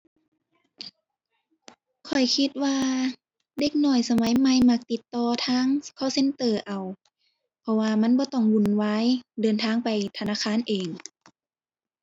ข้อยคิดว่าเด็กน้อยสมัยใหม่ มักติดต่อทาง call center เอา เพราะว่ามันบ่ต้องวุ่นวายเดินทางไปธนาคารเอง